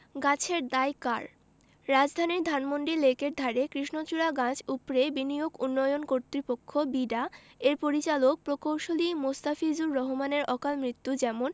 গাছের দায় কার রাজধানীর ধানমন্ডি লেকের ধারে কৃষ্ণচূড়া গাছ উপড়ে বিনিয়োগ উন্নয়ন কর্তৃপক্ষ বিডা এর পরিচালক প্রকৌশলী মোস্তাফিজুর রহমানের অকালমৃত্যু যেমন